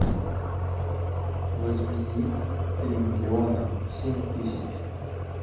возведи три миллиона семь тысяч